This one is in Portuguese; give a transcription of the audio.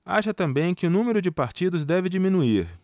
acha também que o número de partidos deve diminuir